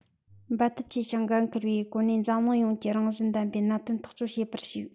འབད བརྩོན ཆེ ཞིང འགན ཁུར བའི སྒོ ནས འཛམ གླིང ཡོངས ཀྱི རང བཞིན ལྡན པའི གནད དོན ཐག གཅོད བྱེད པར ཞུགས